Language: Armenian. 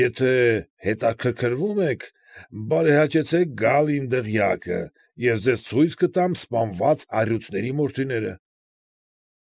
Եթե հետաքրքրվում եք, բարեհաճեցեք գալ իմ դղյակը, ես ձեզ ցույց կտամ սպանված առյուծների մորթիները։